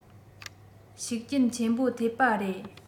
ཤུགས རྐྱེན ཆེན པོ ཐེབས པ རེད